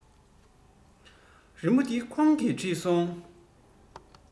རི མོ འདི ཁོང གིས བྲིས སོང